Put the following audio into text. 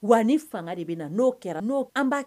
Wa a ni fanga de bɛ n'o kɛra, n'o, an b'a